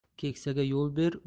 keksaga yo'l ber